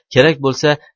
kerak bo'lsa